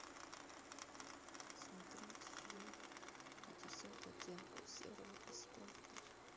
смотреть фильм пятьдесят оттенков серого бесплатно